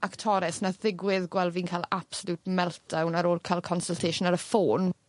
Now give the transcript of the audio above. actores nath ddigwydd gwel' fi'n ca'l absolute meltdown ar ôl ca'l consultation ar y ffôn